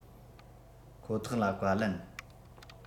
ཁོ ཐག ལ བཀའ ལན